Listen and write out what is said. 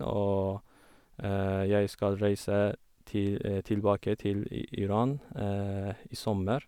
Og jeg skal reise til tilbake til i Iran i sommer.